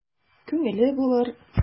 Күңеле булыр...